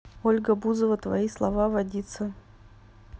ольга бузова твои слова водица